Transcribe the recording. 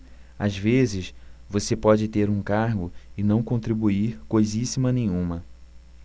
às vezes você pode ter um cargo e não contribuir coisíssima nenhuma